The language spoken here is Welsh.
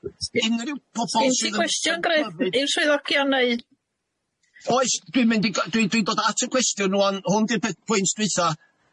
Unrhyw pobol... Ginti gwestiwn Griff i'r swyddogion neu... Oes dwi'n mynd i gy- dwi'n dwi'n dod at y cwestiwn rŵan hwn di'r peth pwynt dwytha.